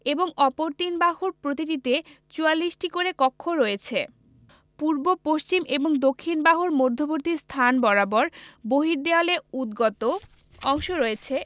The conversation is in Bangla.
এবং অপর তিন বাহুর প্রতিটিতে ৪৪টি করে কক্ষ রয়েছে পূর্ব পশ্চিম এবং দক্ষিণ বাহুর মধ্যবর্তী স্থান বরাবর বহির্দেওয়ালে উদ্গত অংশ রয়েছে